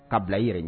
Ka bila i yɛrɛ ɲɛn